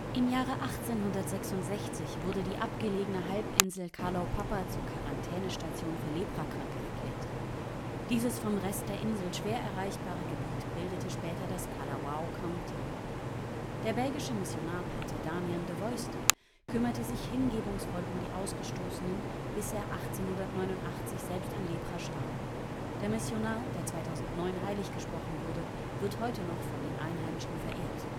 Im Jahre 1866 wurde die abgelegene Halbinsel Kalaupapa zur Quarantänestation für Leprakranke erklärt. Dieses vom Rest der Insel schwer erreichbare Gebiet bildete später das Kalawao County. Der belgische Missionar Pater Damian de Veuster kümmerte sich hingebungsvoll um die Ausgestoßenen, bis er 1889 selbst an Lepra starb. Der Missionar, der 2009 heiliggesprochen wurde, wird heute noch von den Einheimischen verehrt